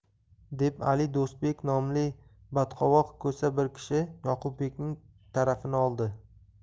deb ali do'stbek nomli badqovoq ko'sa bir kishi yoqubbekning tarafini oldi